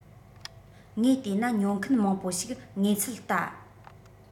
ངས བལྟས ན ཉོ མཁན མང པོ ཞིག ངེས ཚུལ ལྟ